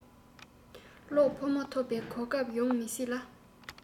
གློག ཕོ མོ འཐབས པའི གོ སྐབས ཡོང མི སྲིད ལ